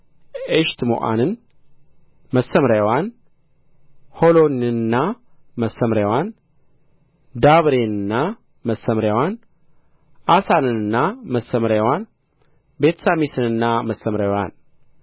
ኤሽትሞዓንና መሰምርያዋን ሖሎንንና መሰምርያዋን ዳቤርንና መሰምርያዋን ዓሳንንና መሰምርያዋን ቤትሳሚስንና መሰምርያዋን